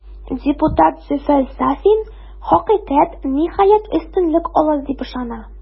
Депутат Зөфәр Сафин, хакыйкать, ниһаять, өстенлек алыр, дип ышана.